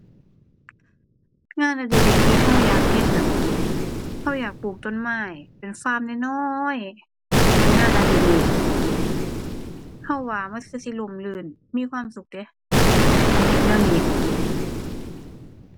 งานอดิเรกที่เราอยากเฮ็ดนั่นบ่ เราอยากปลูกต้นไม้เป็นฟาร์มน้อยน้อย เป็นงานอดิเรก เราว่ามันคือสิร่มรื่นมีความสุขเดะ คันสิไปเฮ็ดแนวนี้